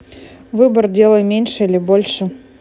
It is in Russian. выбор делай меньше или больше